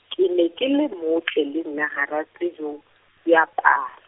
ke ne ke le motle le nna hara tse tjhong, diaparo.